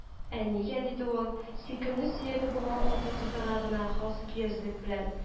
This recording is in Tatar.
— ә нигә, — диде ул, сөйкемле сөяге булган хатын-кызларга гына хас көязлек белән